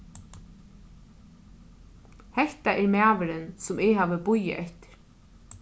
hetta er maðurin sum eg havi bíðað eftir